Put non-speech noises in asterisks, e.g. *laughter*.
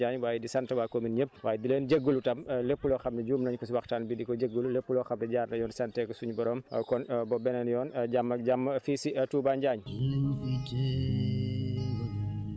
kon ñu *hesitation* di nuyu ñëpp di gërëm ñëpp di sant waa Touba Njaañ waaye di sant waa commune ñëpp waaye di leen jégalu tam lépp loo xam ne juum nañ ko si waxtaan bi di ko jégalu lépp loo xam ne jaar na yoon santee ko suñu borom kon *hesitation* ba beneen yoon jàmm ak jàmm fii si Touba Njaañ